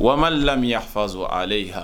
wa lammiya fasɔ ale ye